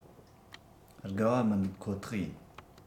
དགའ བ མི འདུག ཁོ ཐག ཡིན